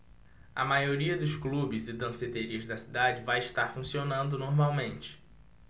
a maioria dos clubes e danceterias da cidade vai estar funcionando normalmente